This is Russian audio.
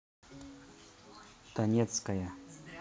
донецкая